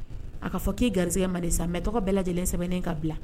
A ka fɔ ki garisɛgɛ man di sa mais tɔgɔ bɛɛ lajɛlen sɛbɛnnen ka bila.